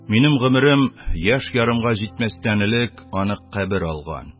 Минем гомерем яшь ярымга җитмәстән элек аны кабер алган